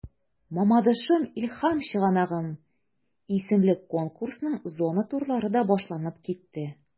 “мамадышым–илһам чыганагым” исемле конкурсның зона турлары да башланып китте.